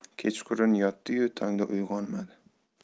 kechqurun yotdi yu tongda uyg'onmadi